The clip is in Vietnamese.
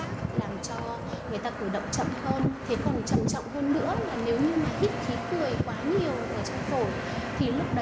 làm cho người ta cử động chậm hơn thế còn trầm trọng hơn nếu mà hít quá nhiều khí cười vào trong phổi